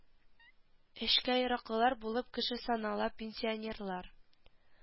Эшкә яраклылар булып кеше санала пенсионерлар